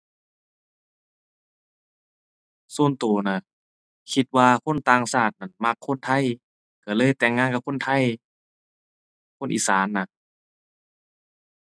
ส่วนตัวน่ะ คิดว่าคนต่างชาติน่ะมักคนไทย ตัวเลยแต่งงานกับคนไทย คนอีสานน่ะ